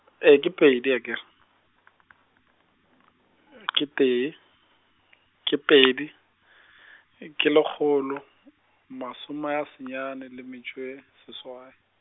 ke pedi a ke r- , ke tee, ke pedi , eke lekgolo, masome a senyane le metšo e, seswai.